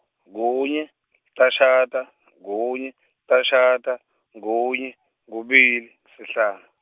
kunye, chashata, kunye, chashata, kunye, kubili, sihlanu.